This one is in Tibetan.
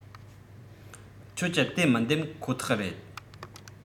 ཁྱོད ཀྱི དེ མི འདེམ ཁོ ཐག རེད